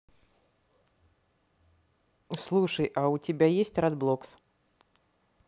слушай а у тебя есть роблокс